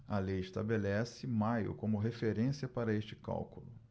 a lei estabelece maio como referência para este cálculo